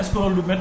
foo ko gisee daal